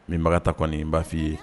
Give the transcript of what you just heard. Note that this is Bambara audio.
Min baga ta kɔni n b'a f'i ye